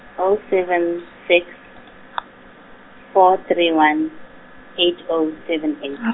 oh seven six, four three one, eight oh seven eight .